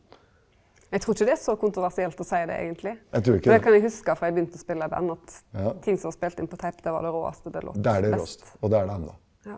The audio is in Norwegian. eg trur ikkje det er så kontroversielt å seie det eigentleg, for det kan eg hugsa frå eg begynte å spele i band at ting som var spelt inn på teip det var det råaste, det lét best ja.